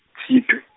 Tshitwe.